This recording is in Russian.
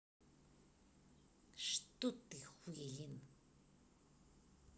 что ты хуелин